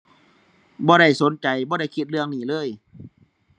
บ่ได้สนใจ บ่ได้คิดเรื่องนี้เลย